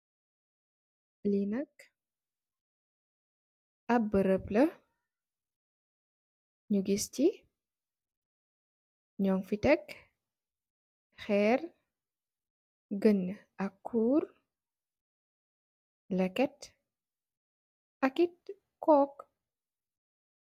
Li nak ap berem la nyu giss si nyun fi teck heer genna ak kur leket akkit kok.